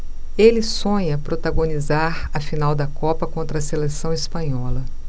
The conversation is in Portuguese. ele sonha protagonizar a final da copa contra a seleção espanhola